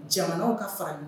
Jamanaw ka fa